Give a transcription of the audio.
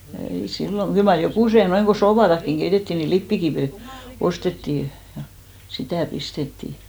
ei silloin kyllä mar jokuset noin kun suopaakin keitettiin niin lipeäkiveä ostettiin ja sitä pistettiin